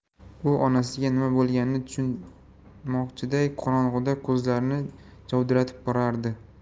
u onasiga nima bo'lganini tushunmoqchiday qorong'ida ko'zlarini javdiratib borardi